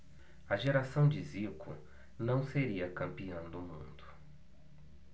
a geração de zico não seria campeã do mundo